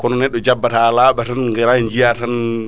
kono jabbat ha laaɓa tan gara jiiya tan